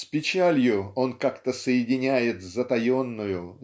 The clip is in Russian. С печалью он как-то соединяет затаенную